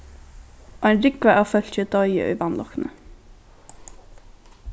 ein rúgva av fólki doyði í vanlukkuni